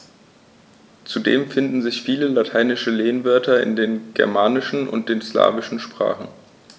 Zudem finden sich viele lateinische Lehnwörter in den germanischen und den slawischen Sprachen.